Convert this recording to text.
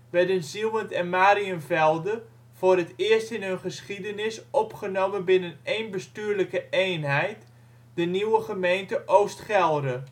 werden Zieuwent en Mariënvelde voor het eerst in hun geschiedenis opgenomen binnen één bestuurlijke eenheid, de nieuwe gemeente Oost-Gelre